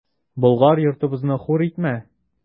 Болгар йортыбызны хур итмә!